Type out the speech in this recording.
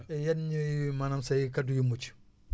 yan ñooy maanaam say kaddu yu mujj